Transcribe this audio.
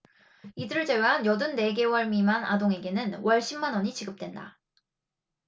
이들을 제외한 여든 네 개월 미만 아동에게는 월 십 만원이 지급된다